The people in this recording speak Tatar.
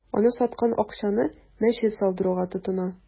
Аны саткан акчаны мәчет салдыруга тотына.